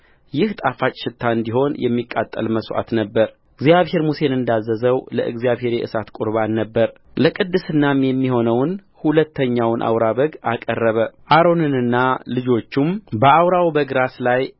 ይህ ጣፋጭ ሽታ እንዲሆን የሚቃጠል መሥዋዕት ነበረ እግዚአብሔር ሙሴን እንዳዘዘው ለእግዚአብሔር የእሳት ቍርባን ነበረለቅድስናም የሚሆነውን ሁለተኛውን አውራ በግ አቀረበ አሮንና ልጆቹም በአውራው በግ ራስ ላይ